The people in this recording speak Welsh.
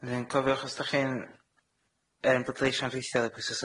'Dyn cofiwch os 'dach chi'n yym pledliehso'n rhithiol pwyso